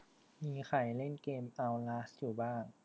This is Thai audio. มีใครกำลังเล่นเกมเอ้าลาสอยู่บ้าง